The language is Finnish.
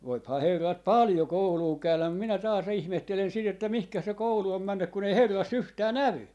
voihan herrat paljon koulua käydä mutta minä taas ihmettelen sitä että mihin se koulu on mennyt kun ei herrassa yhtään näy